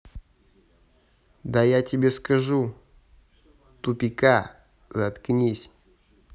да я тебе скажу тупика заткнись